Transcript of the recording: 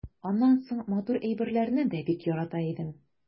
Аннан соң матур әйберләрне дә бик ярата идем.